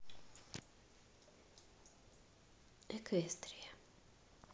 эквестрия